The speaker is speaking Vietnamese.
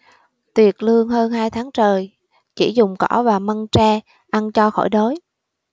tuyệt lương hơn hai tháng trời chỉ dùng cỏ và măng tre ăn cho khỏi đói